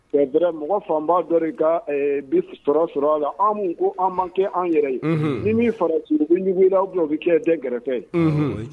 Ɛrɛ mɔgɔ fanba dɔ sɔrɔ sɔrɔ a la an ko an man kɛ an yɛrɛ ye ni min faraugujugu bɛ kɛ dɛ gɛrɛ ye